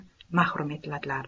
mahrum etiladilar